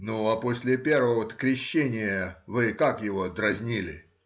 — Ну, а после первого-то крещения вы как его дразнили?